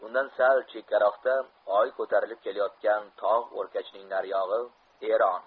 undan sal chekkaroqda oy ko'tarilib kelayotgan tog' o'rkachining nariyogi eron